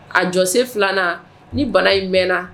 A jɔsen 2 nan ni bana in mɛnna